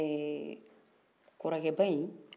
ehh kɔrɔkɛ ba in